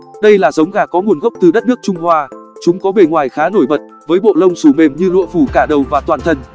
đây là giống gà có nguồn gốc từ đất nước trung hoa chúng có bề ngoài khá nổi bật với bộ lông xù mềm như lụa phủ cả đầu và toàn thân